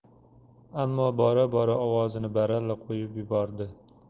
ammo bora bora ovozini baralla qo'yib yubordi